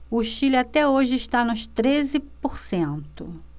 o chile até hoje está nos treze por cento